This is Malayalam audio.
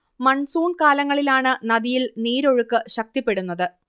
മൺസൂൺ കാലങ്ങളിലാണ് നദിയിൽ നീരൊഴുക്ക് ശക്തിപ്പെടുന്നത്